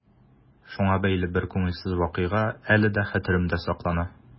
Шуңа бәйле бер күңелсез вакыйга әле дә хәтеремдә саклана.